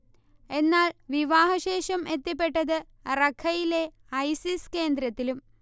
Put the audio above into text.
എന്നാൽ, വിവാഹശേഷം എത്തിപ്പെട്ടത് റഖയിലെ ഐസിസ് കേന്ദ്രത്തിലും